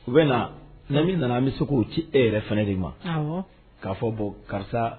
U bɛ na nami nana bɛ se k'o ci e yɛrɛ fana de ma k'a fɔ bɔn karisa